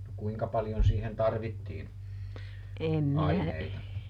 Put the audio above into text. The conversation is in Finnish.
no kuinka paljon siihen tarvittiin aineita